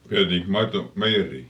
vietiinkös maito meijeriin